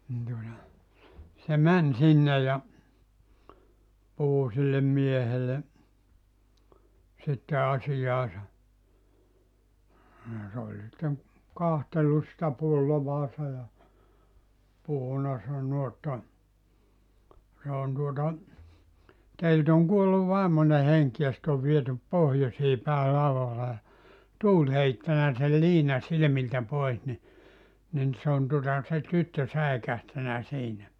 niin tuota se meni sinne ja puhui sille miehelle sitten asiaansa ja se oli sitten katsellut sitä pulloansa ja puhunut sanonut että se on tuota teiltä on kuollut vaimoinen henki ja se on viety pohjoiseen päin laudalla ja tuuli heittänyt sen liinan silmiltä pois niin niin se on tuota se tyttö säikähtänyt siinä